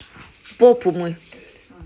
попу мы